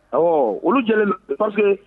Awɔɔ olu jɛlen do parce que